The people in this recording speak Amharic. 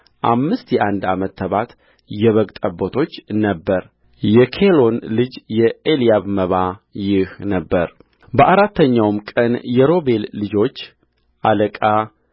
አምስት የአንድ ዓመት ተባት የበግ ጠቦቶች ነበረ የኬሎን ልጅ የኤልያብ መባ ይህ ነበረበአራተኛውም ቀን የሮቤል ልጆች አለቃ